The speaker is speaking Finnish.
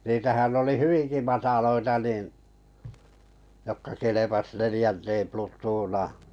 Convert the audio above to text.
niitähän oli hyvinkin matalia niin jotka kelpasi neljänteen plutoonaan